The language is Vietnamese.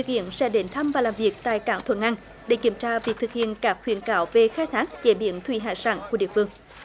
kiến sẽ đến thăm và làm việc tại cảng thuận an để kiểm tra việc thực hiện các khuyến cáo về khai thác chế biến thủy hải sản của địa phương